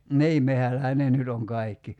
niin metsällähän ne nyt on kaikki